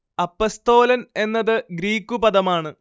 അപ്പസ്തോലൻ എന്നത് ഗ്രീക്കു പദമാണ്